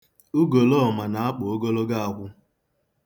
Ugolooma na-akpa ogologo akwụ.